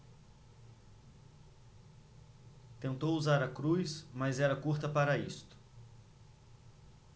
tentou usar a cruz mas era curta para isto